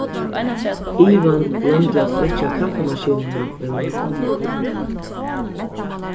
ivan gloymdi at sløkkja kaffimaskinuna í morgun